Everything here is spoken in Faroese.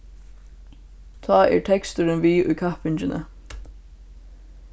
tá er teksturin við í kappingini